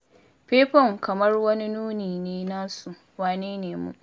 Faifan kamar wani nuni ne na su wane ne mu.”